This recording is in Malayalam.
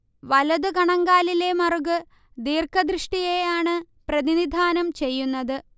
വലതു കണങ്കാലിലെ മറുക് ദീര്ഘദൃഷ്ടിയെ ആണ് പ്രതിനിധാനം ചെയ്യുന്നത്